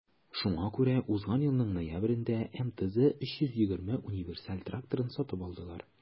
Шуңа күрә узган елның ноябрендә МТЗ 320 универсаль тракторын сатып алдылар.